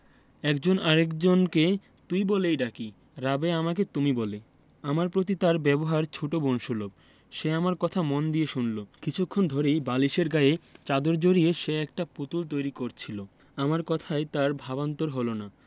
একজন আরেক জনকে তুই বলেই ডাকে রাবেয়া আমাকে তুমি বলে আমার প্রতি তার ব্যবহার ছোট বোন সুলভ সে আমার কথা মন দিয়ে শুনলো কিছুক্ষণ ধরেই বালিশের গায়ে চাদর জড়িয়ে সে একটা পুতুল তৈরি করছিলো আমার কথায় তার ভাবান্তর হলো না